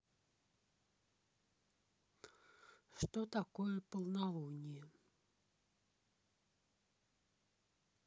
что такое полнолуние